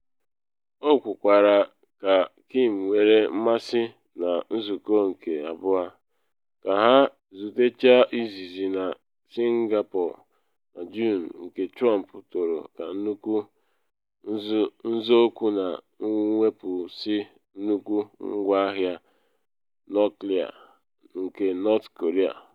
O kwukwara na Kim nwere mmasị na nzụkọ nke abụọ ka ha zutechara izizi na Singapore na Juun nke Trump toro ka nnukwu nzọụkwụ na iwepusi nnukwu ngwa agha nuklịa nke North Korea.